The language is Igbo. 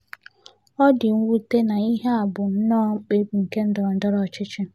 Ọ dị mwute na ihe a bụ nọọ mkpebi nke ndọrọndọrọ ọchịchị.